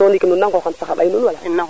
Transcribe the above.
so ndiki nuun na ngoxan fo xa ɓay nuun wala